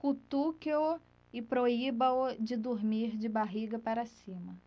cutuque-o e proíba-o de dormir de barriga para cima